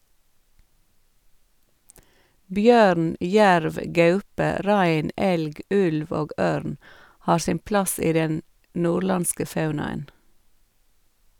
Bjørn, jerv, gaupe, rein, elg, ulv og ørn har sin plass i den nordlandske faunaen.